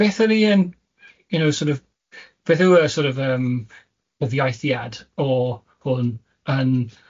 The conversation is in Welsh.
Beth ydy e'n, you know, sor' of, beth yw y sort of yym cyfieithiad o hwn yn